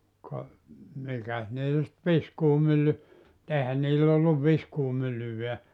ka mikäs niillä sitten viskuumylly eihän niillä ollut viskuumyllyäkään